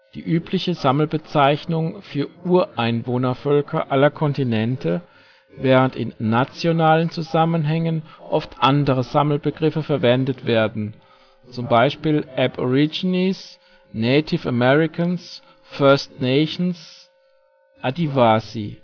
die übliche Sammelbezeichnung für Ureinwohnervölker aller Kontinente, während in nationalen Zusammenhängen oft andere Sammelbegriffe verwendet werden (z.B. Aborigines, Native Americans, First Nations, Adivasi